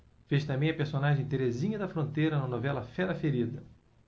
fez também a personagem terezinha da fronteira na novela fera ferida